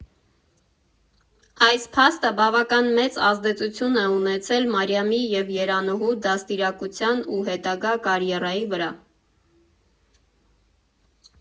Այս փաստը բավական մեծ ազդեցություն է ունեցել Մարիամի և Երանուհու դաստիարակության ու հետագա կարիերայի վրա։